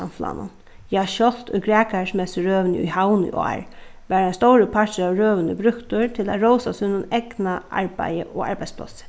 samfelagnum ja sjálvt í grækarismessurøðuni í havn í ár var ein stórur partur av røðuni brúktur til at rósa sínum egna arbeiði og arbeiðsplássi